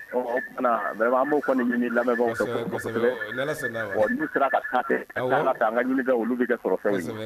Ɔ o tuma an b'o kɔni lamɛn'u ka kɛ k'an ka ɲini olu bɛ kɛ